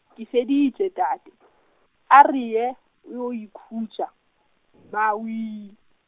ke feditše tate , a re ye, o yo ikhutša, mmawee.